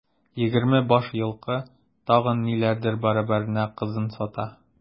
Егерме баш елкы, тагын ниләрдер бәрабәренә кызын сата.